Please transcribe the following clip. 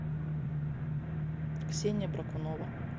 ксения бракунова